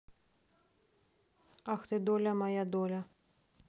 ах ты доля моя доля